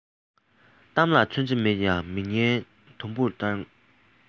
གཏམ ལ ཚོན ཆ མེད ཀྱང མི སྙིང དུམ བུར གཅོད